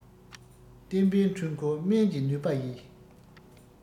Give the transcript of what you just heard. གཏེམ པའི འཁྲུལ འཁོར སྨན གྱི ནུས པ ཡིས